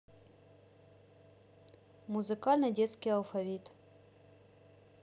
музыкальный детский алфавит